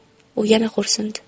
u yana xo'rsindi